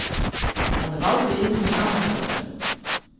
hann er valdur inn fyri sambandsflokkin